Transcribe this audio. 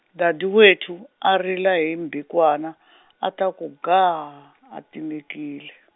Dadewethu, a rila hi mbhikwana , a ta ku gaa, a timekile.